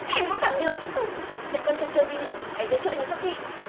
thèm cũng chẳng được hứ vậy còn chần chừ gì nữa hãy giới thiệu anh ấy cho chị